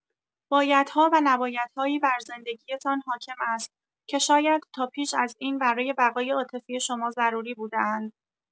بایدها و نبایدهایی بر زندگی‌تان حاکم است که شاید تا پیش از این برای بقای عاطفی شما ضروری بوده‌اند.